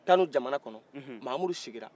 kanu jaman kɔnɔ mamudu sigira